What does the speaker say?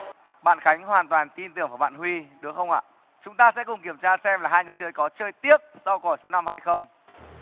bạn khánh hoàn toàn tin tưởng vào bạn huy được không ạ chúng ta sẽ cùng kiểm tra xem là hai người chơi có chơi tiếp sau câu hỏi số năm hay không